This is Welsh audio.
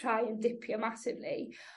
rhai yn dipio massively.